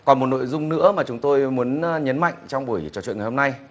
còn một nội dung nữa mà chúng tôi muốn a nhấn mạnh trong buổi trò chuyện ngày hôm nay